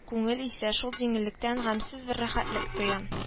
Күңел исә шул җиңеллектән гамьсез бер рәхәтлек тоя